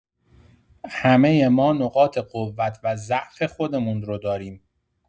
همۀ ما نقاط قوت و ضعف خودمون رو داریم.